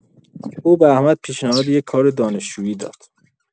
او به احمد پیشنهاد یک کار دانشجویی داد.